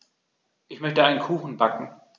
Ich möchte einen Kuchen backen.